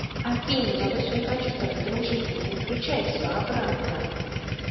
афина я больше не хочу с тобой дружить ты мне включай все обратно